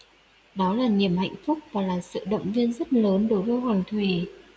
đó là niềm hạnh phúc và là sự động viên rất lớn đối với hoàng thùy